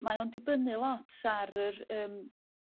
Mae o'n dibynnu lot ar yr yym